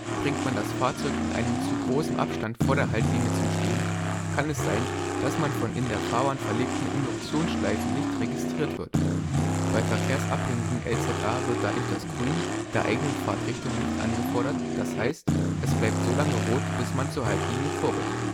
Bringt man das Fahrzeug in einem zu großen Abstand vor der Haltlinie zum Stehen, kann es sein, dass man von in der Fahrbahn verlegten Induktionsschleifen nicht registriert wird. Bei verkehrsabhängigen LZA wird dadurch das Grün der eigenen Fahrtrichtung nicht angefordert, das heißt, es bleibt so lange Rot, bis man zur Haltlinie vorrückt